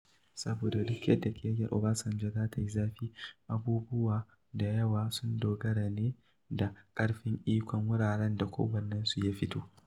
Saboda duk yadda ƙiyayyar Obasanjo za ta yi zafi, abubuwa da yawa sun dogara ne da ƙarfin ikon wuraren da kowannensu ya fito.